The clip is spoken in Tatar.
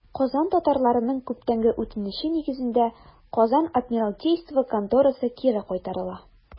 Казан татарларының күптәнге үтенече нигезендә, Казан адмиралтейство конторасы кире кайтарыла.